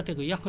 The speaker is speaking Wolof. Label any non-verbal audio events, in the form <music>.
<hesitation> <hesitation>